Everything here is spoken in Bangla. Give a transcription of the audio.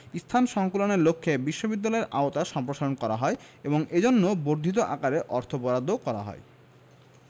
স্থান সংকুলানের লক্ষ্যে বিশ্ববিদ্যালয়ের আওতা সম্প্রসারণ করা হয় এবং এজন্য বর্ধিত আকারে অর্থ বরাদ্দও করা হয়